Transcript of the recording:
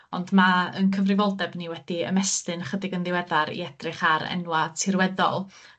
ond ma' 'yn cyfrifoldeb ni wedi ymestyn ychydig yn diweddar i edrych ar enwa' tirweddol.